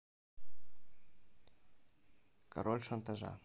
король шантажа